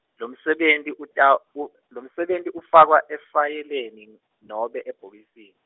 lomsebenti uta, u, lomsebenti ufakwa efayeleni, nobe ebhokisini.